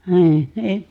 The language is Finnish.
niin